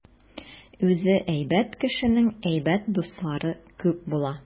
Үзе әйбәт кешенең әйбәт дуслары күп була.